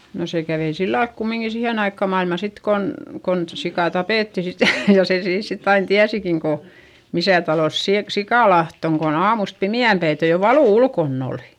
no se kävi sillä lailla kumminkin siihen aikaan maailmaa sitten kun kun sika tapettiin sitten ja ja sen siinä sitten aina tiesikin kun missä talossa - sikalahti on kun aamusta pimeänpäiten jo valu ulkona oli